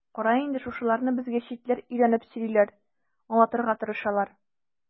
Кара инде, шушыларны безгә читләр өйрәнеп сөйлиләр, аңлатырга тырышалар.